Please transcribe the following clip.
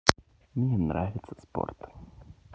мне нравится спорт